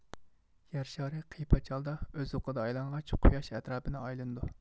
يەر شارى قىيپاچ ھالدا ئۆز ئوقىدا ئايلانغاچ قوياش ئەتراپىنى ئايلىنىدۇ